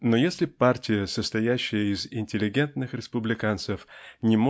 Но если партия, состоящая из интеллигентных республиканцев, не.